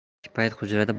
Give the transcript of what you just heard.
kechki payt hujrada